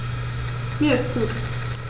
Mir ist gut.